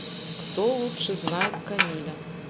кто лучше знает камиля